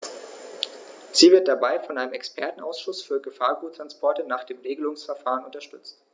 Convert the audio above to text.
Sie wird dabei von einem Expertenausschuß für Gefahrguttransporte nach dem Regelungsverfahren unterstützt.